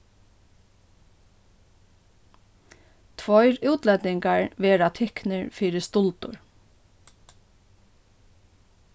tveir útlendingar verða tiknir fyri stuldur